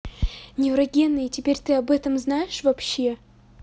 неврогенные теперь ты об этом знаешь вообще